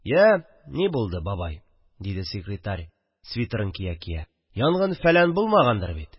– я, ни булды, бабай? – диде секретарь, свитерын кия-кия. – янгын-фәлән булмагандыр бит?